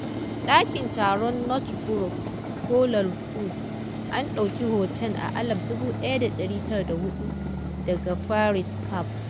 ɗakin taron Northbrook ko Lal Kuthi - an ɗaukin hoton a 1904 daga Fritz Kapp.